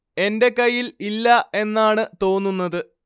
എന്റെ കയ്യിൽ ഇല്ല എന്നാണ് തോന്നുന്നത്